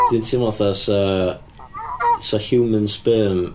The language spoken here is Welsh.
Dwi'n teimlo'n fatha 'sa 'sa human sperm...